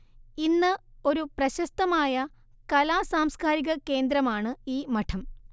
ഇന്ന് ഒരു പ്രശസ്തമായ കലാ സാംസ്കാരിക കേന്ദ്രമാണ് ഈ മഠം